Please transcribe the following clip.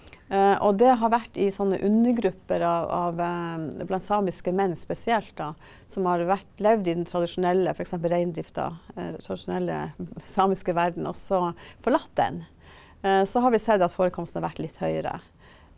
og det har vært i sånne undergrupper av av blant samiske menn, spesielt da som har vært levd i den tradisjonelle f.eks. reindrifta, eller den tradisjonelle samiske verden, og så forlatt den, så har vi sett at forekomsten har vært litt høyere.